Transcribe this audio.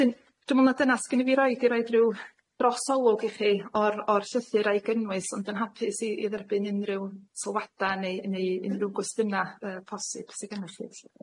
Dyn- dwi me'wl ma' dyna s'gen dros olwg i chi o'r o'r llythyr a'i gynnwys ond yn hapus i i dderbyn unrhyw sylwada neu neu unrhyw gwestiyna yy posib sy gynnoch chi lly.